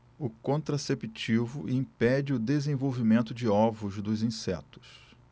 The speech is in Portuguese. o contraceptivo impede o desenvolvimento de ovos dos insetos